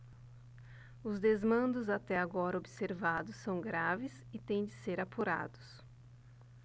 os desmandos até agora observados são graves e têm de ser apurados